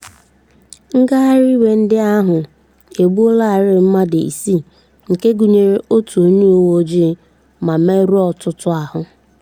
Ngagharị iwe ndị ahụ egbuolarịị mmadị isii, nke gunyere otu onye uwe ojii , ma merụọ ọtụtụ ahụ.